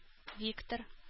Виктор